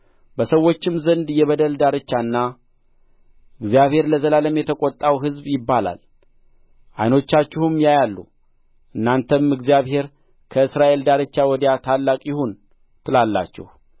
በሰዎችም ዘንድ የበደል ዳርቻና እግዚአብሔር ለዘላለም የተቈጣው ሕዝብ ይባላል ዓይኖቻችሁም ያያሉ እናንተም እግዚአብሔር ከእስራኤል ዳርቻ ወዲያ ታላቅ ይሁን ትላላችሁ